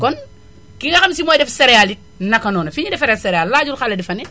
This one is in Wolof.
kon ki nga xam si mooy def céréale it naka noona fi ñuy defaree céréale laajul xale di fa ne